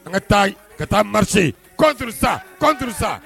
An ka taa ka taa marcher, contre ça, contre ça